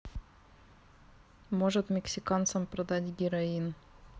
может мексиканцам продать героин